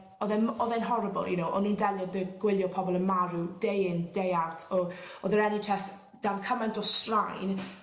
o'dd e m- o'dd e'n horrible you know o'n i'n delio 'dy gwylio pobol yn marw day in day out. O- o'dd yr Enn Aitch Ess dan cymaint o straen